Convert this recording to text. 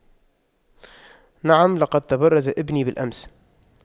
نعم لقد تبرز ابني بالأمس